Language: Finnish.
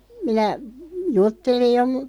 minä juttelin jo -